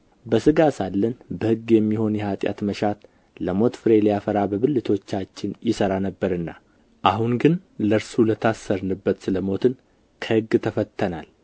በሥጋ ሳለን በሕግ የሚሆን የኃጢአት መሻት ለሞት ፍሬ ሊያፈራ በብልቶቻችን ይሠራ ነበርና አሁን ግን ለእርሱ ለታሰርንበት ስለ ሞትን ከሕግ ተፈትተናል